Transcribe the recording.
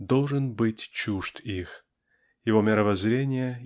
должен быть чужд их -- его мировоззрение